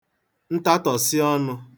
ntatàsị ọnụ̄